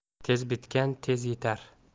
tez bitgan tez yitar